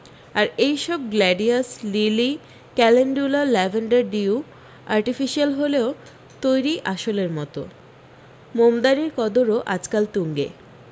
আর এই সব gladiolus lily calendula lavender dew artificial হলেও তৈরী আসলের মতো মোমদানির কদরও আজকাল তুঙ্গে